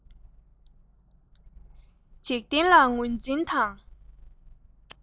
འཇིག རྟེན ལ ངོས འཛིན དང